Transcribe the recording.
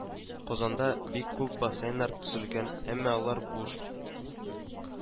Казанда бик күп бассейннар төзелгән, әмма алар буш